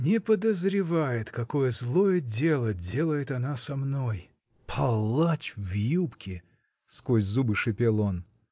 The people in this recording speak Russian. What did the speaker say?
— Не подозревает, какое злое дело делает она со мной! Палач в юбке! — сквозь зубы шипел он.